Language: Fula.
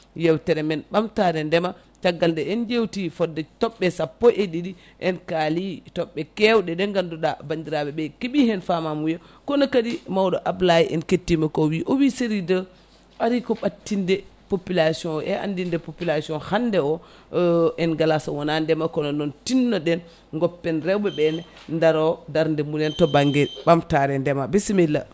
yewtere men ɓamtare ndeema caggal nde en jewti fodde tobɓe sappo e ɗiɗi en kaali toɓɓe kewɗe ɗe ganduɗa bandiraɓe keei hen famamuya kono kadi mawɗo Ablaye en kettima ko wii o wii série 2 aari ko ɓattinde population e andinde population hande o en ngala so wona ndeema kono noon tinno ɗen goppen rewɓeɓene daaro darde munen to bangguje ɓamtare ndeema bisimilla